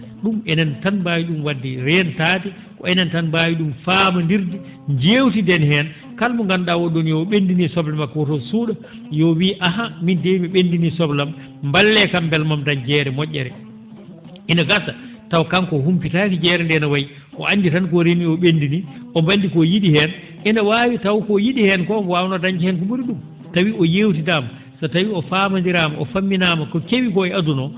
?um enen tan mbaawi ?um wadde reentaade ko enen tan mbaawi ?um faamonndirde njeewtiden heen kala mo nganndu?aa oo ?oo nii remii soble makko wata o suu?o yo o wii ahan min de mi ?enndinii soble am mballee kam mbele maa mi dañ jeere mo??ere ina gasa taw kanko o humpitaani jeere ndee no wayi o anndi tan ko o remii o ?enndinii omo anndi ko o yi?i heen ene waawi taw ko yi?i heen ko omo waawnoo dañde heen ko ?uri ?uum tawii o yeewtidaama so tawii o famonndiraama o famminaama ko kewi koo e aduna o